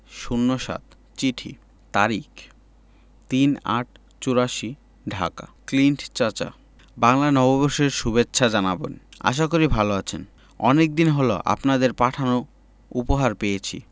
০৭ চিঠি তারিখ ৩ ৮ ৮৪ ঢাকা ক্লিন্ট চাচা বাংলা নববর্ষের সুভেচ্ছা জানাবেন আশা করি ভালো আছেন অনেকদিন হল আপনাদের পাঠানো উপহার পেয়েছি